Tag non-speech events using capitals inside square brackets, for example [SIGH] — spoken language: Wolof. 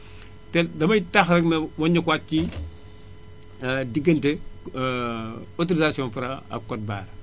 te damay taxaw rekk ma wëññeekuwaat ci [NOISE] [HESITATION] diggante [HESITATION] autorisation Fra ak code barre